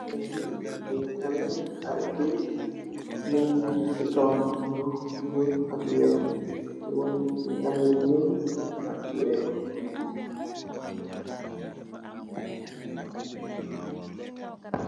Weungh bii mungy ameh aiiy keit, mungy neka cii kawam, yu njull ak wekh, teh weungh bii mungy ameh lu njull ak wekh,